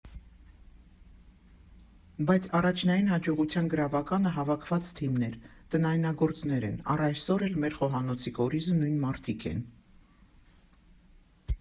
Բայց առաջնային հաջողության գրավականը հավաքված թիմն էր՝ տնայնագործներ են, առ այսօր էլ մեր խոհանոցի կորիզը նույն մարդիկ են։